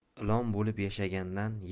ilon bo'lib yashagandan